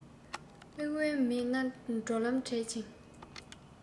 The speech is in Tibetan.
དམིགས འབེན མེད ན འགྲོ ལམ བྲལ ཅིང